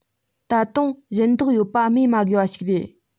ད དུང གཞན དག ཡོད པ སྨོས མ དགོས པ ཞིག རེད